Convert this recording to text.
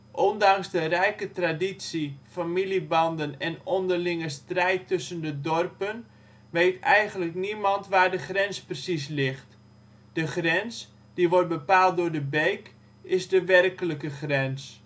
Ondanks de rijke traditie, familiebanden en onderlinge strijd tussen de dorpen, weet eigenlijk niemand waar de grens precies ligt. De grens, die wordt bepaald door de beek, is de werkelijke grens